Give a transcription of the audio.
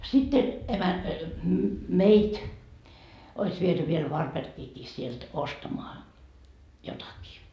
sitten - meitä olisi viety vielä Varbergiinkin sieltä ostamaan jotakin